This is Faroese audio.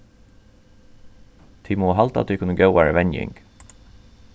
tit mugu halda tykkum í góðari venjing